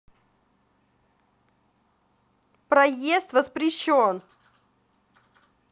проезд воспрещен